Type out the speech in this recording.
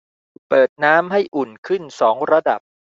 เปิดน้ำให้อุ่นขึ้นสองระดับ